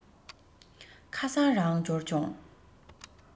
ཁ སང རང འབྱོར བྱུང